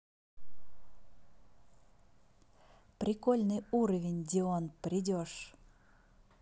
прикольный уровень деон придеш